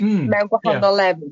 ...mewn gwahanol lefydd,